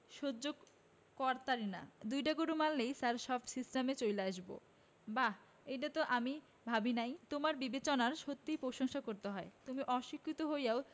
সহ্য করতারিনা দুইডা গরু মারলেই ছার সব সিস্টামে চইলা আসবো বাহ এইটা তো আমি ভাবিনাই তোমার বিবেচনার সত্যিই প্রশংসা করতে হয় তুমি অশিক্ষিতো হইয়াও